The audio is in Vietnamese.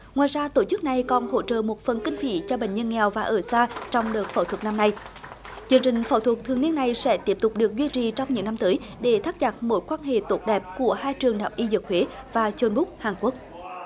ngoài ra tổ chức này còn hỗ trợ một phần kinh phí cho bệnh nhân nghèo và ở xa trong đợt phẫu thuật năm nay chương trình phẫu thuật thường niên này sẽ tiếp tục được duy trì trong những năm tới để thắt chặt mối quan hệ tốt đẹp của hai trường đại học y dược huế và chôn búc hàn quốc